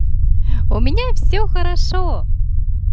у меня все хорошо